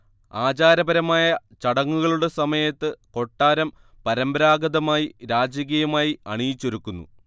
ആചാരപരമായ ചടങ്ങുകളുടെ സമയത്ത് കൊട്ടാരം പരമ്പരാഗതമായി രാജകീയമായി അണിയിച്ചൊരുക്കുന്നു